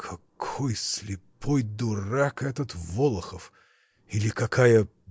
какой слепой дурак этот Волохов — или какая.